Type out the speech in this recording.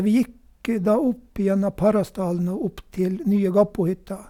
Vi gikk da opp gjennom Parasdalen og opp til nye Gappohytta.